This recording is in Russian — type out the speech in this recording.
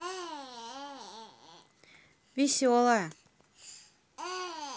веселая